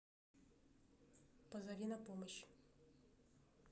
позови на помощь